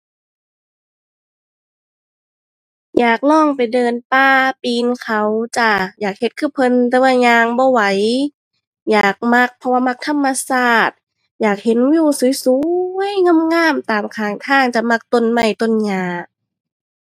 อยากลองไปเดินป่า ปีนเขาจ้า อยากเฮ็ดคือเพิ่นแต่ว่าย่างบ่ไหว อยากมัก เพราะว่ามักธรรมชาติ อยากเห็นวิวสวยสวยงามงามตามข้างทางจ้า มักต้นไม้ ต้นหญ้า